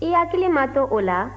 i hakili ma to o la